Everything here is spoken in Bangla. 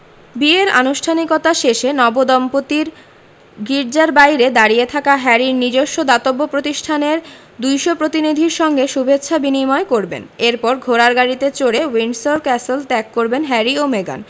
বিয়ের আনুষ্ঠানিকতা শেষে নবদম্পতি গির্জার বাইরে দাঁড়িয়ে থাকা হ্যারির নিজস্ব দাতব্য প্রতিষ্ঠানের ২০০ প্রতিনিধির সঙ্গে শুভেচ্ছা বিনিময় করবেন এরপর ঘোড়ার গাড়িতে চড়ে উইন্ডসর ক্যাসেল ত্যাগ করবেন হ্যারি ও মেগান